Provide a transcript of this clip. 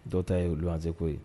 Dɔw ta ye luwanse ko ye.